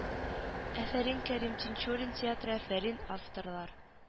Афәрин кәрим тинчурин театры афәрин авторлар